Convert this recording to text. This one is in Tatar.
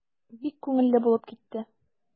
Бик күңелле булып китте.